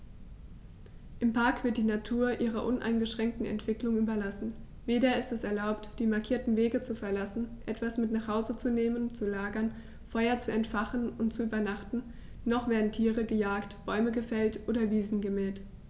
Im Park wird die Natur ihrer uneingeschränkten Entwicklung überlassen; weder ist es erlaubt, die markierten Wege zu verlassen, etwas mit nach Hause zu nehmen, zu lagern, Feuer zu entfachen und zu übernachten, noch werden Tiere gejagt, Bäume gefällt oder Wiesen gemäht.